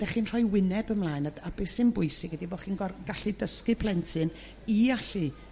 dech chi'n rhoi wyneb ymlaen a d- a be' syn bwysig ydy bo chi'n gor- gallu dysgu plentyn i allu